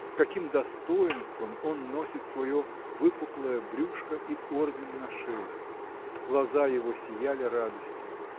С каким достоинством он носит свое выпуклое брюшко и орден на шее! Глаза его сияли радостью.